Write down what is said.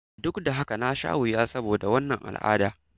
Duk da haka, na sha wuya saboda wannan al'ada.